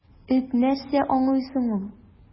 Эт нәрсә аңлый соң ул!